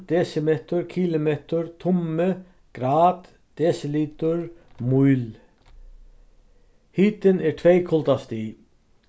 desimetur kilometur tummi grad desilitur míl hitin er tvey kuldastig